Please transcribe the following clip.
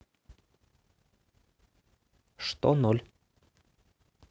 что ноль